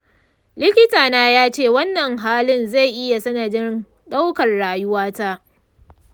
likitana ya ce wannan halin zai iya sanadin ɗaukar rayuwata.